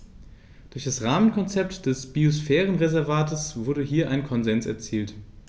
Durch das Rahmenkonzept des Biosphärenreservates wurde hier ein Konsens erzielt.